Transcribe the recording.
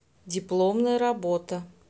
дипломная работа